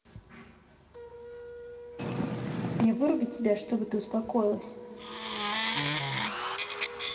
мне вырубить тебя чтобы ты успокоилась